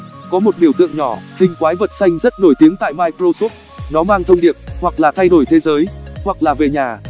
có một biểu tượng nhỏ hình quái vật xanh rất nổi tiếng tại microsoft nó mang thông điệp hoặc là thay đổi thế giới hoặc là về nhà